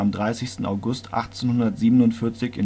30. August 1847